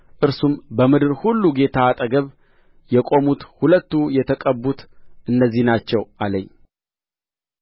እርሱም በምድር ሁሉ ጌታ አጠገብ የቆሙት ሁለቱ የተቀቡት እነዚህ ናቸው አለኝ